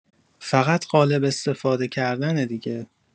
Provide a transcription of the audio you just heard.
فقط قالب استفاده کردنه دیگه.